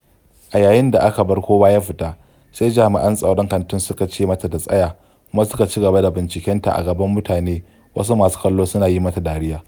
A yayin da aka bar kowa ya fita, sai jami'an tsaron kantin suka ce mata ta tsaya kuma suka cigaba da bincike ta a gaban mutane wasu masu kallo suna yi mata dariya.